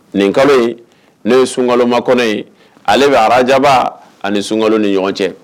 Nin kalo ne ye sunkaloma kɔnɔ ye ale bɛ arajaba ani sunka ni ɲɔgɔn cɛ